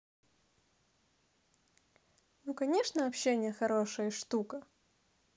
ну конечно общение хорошее и штука